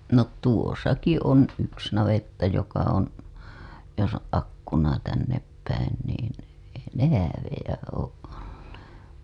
no tuossakin on yksi navetta joka on jos on akkuna tänne päin niin ei ne häävejä ole olleet